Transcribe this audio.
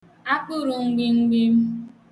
akpụrụ mgbimgbim